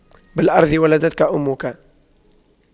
بالأرض ولدتك أمك